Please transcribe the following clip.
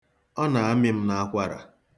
Ọ na-amị m n'akwara.